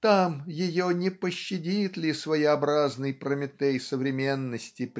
там ее не пощадит ли своеобразный Прометей современности